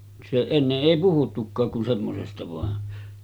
se ennen ei puhuttukaan kuin semmoisesta vain